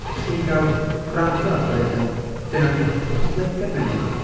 i chi gael gwrando. Oherwydd yym, dyna 'di'r p- podlediad newydd 'ma.